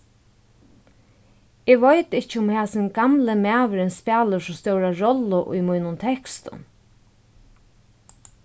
eg veit ikki um hasin gamli maðurin spælir so stóra rollu í mínum tekstum